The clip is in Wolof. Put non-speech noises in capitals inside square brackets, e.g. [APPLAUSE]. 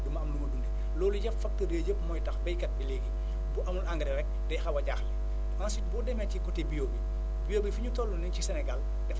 du ma am lu ma dundee [BREATH] loolu yëpp facteurs yooyu yëpp mooy tax béykat bi léegi bu amul engrasi rek day xaw a jaaxle ensuite boo demee ci côté bio bi bio bi fi ñu toll nii ci Sénégal dafa